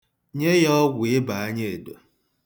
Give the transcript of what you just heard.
Nye ya ọgwụ ịbaanyaedo.